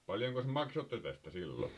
paljonkos maksoitte tästä silloin